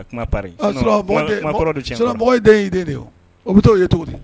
Y bɛ ye cogo di